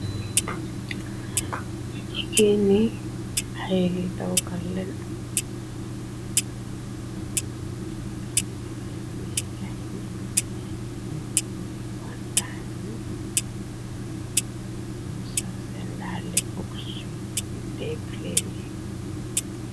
Jegeni ayri tawka len fub fokkati fenekanfsen pekay be ni kantanmi oendalepoknde pleye